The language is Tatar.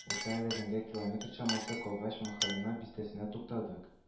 Урта әләзәнгә километрчамасы калгач махалино бистәсендә туктадык